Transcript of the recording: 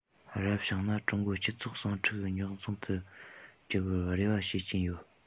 རབ བྱུང ན ཀྲུང གོའི སྤྱི ཚོགས ཟིང འཁྲུག རྙོག འཛིང དུ འགྱུར བར རེ བ བྱེད ཀྱི འདུག